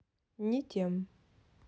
не тем